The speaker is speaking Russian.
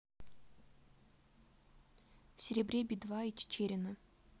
в серебре би два и чичерина